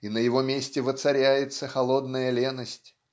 и на его месте воцаряется холодная леность